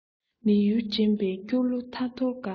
མི ཡུལ འགྲིམས པའི སྐྱོ གླུ ཐ ཐོར འགའ